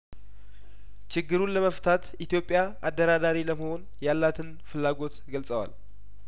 ችግሩን ለመፍታት ኢትዮጵያ አደራዳሪ ለመሆን ያላትን ፍላጐት ገልጸዋል